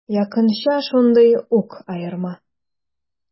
Якынча шундый ук аерма.